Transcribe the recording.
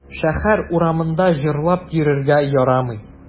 Шәһәр урамында җырлап йөрергә ярамый.